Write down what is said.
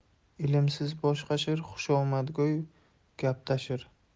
ilmsiz bosh qashir xushomadgo'y gap tashir